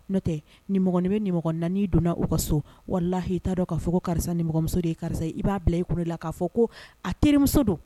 No tɛɔgɔnin bɛ n donna u ka so wala hi'a dɔn kaa fɔ ko karisa nimɔgɔmuso ye karisa i b'a bila i kulu la k'a fɔ ko a terimuso don